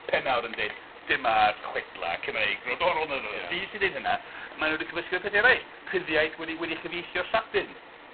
Pennawd yn dweud dyma'r chwedlau Cymreig brodorol neu . Fi sy'n dweud hynna. Mae nhw 'di cymysgu efo pethau eraill rhyddiaith wedi wedi chyfieithu o'r Lladin.